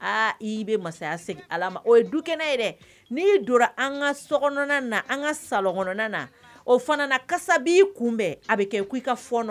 Aa i bɛ masaya segin Allah man o ye du kɛnɛ ye dɛ, n'i donna an ka sokɔnɔna na an ka salon kɔnɔn o fana la kasa bi kunbɛn, a bi kɛ k’i ka fɔnɔn